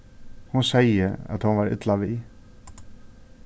hon segði at hon var illa við